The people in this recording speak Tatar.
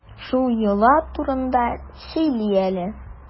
Шул йола турында сөйлә әле.